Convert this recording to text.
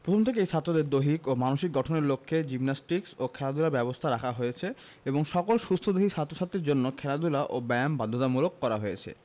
প্রথম থেকেই ছাত্রদের দৈহিক ও মানসিক গঠনের লক্ষ্যে জিমনাস্টিকস ও খেলাধুলার ব্যবস্থা রাখা হয়েছে এবং সকল সুস্থদেহী ছাত্র ছাত্রীর জন্য খেলাধুলা ও ব্যায়াম বাধ্যতামূলক করা হয়েছে